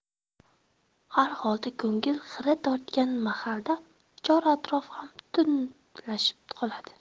harholda ko'ngil xira tortgan mahalda chor atrof ham tundlashib qoladi